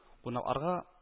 Кунакларга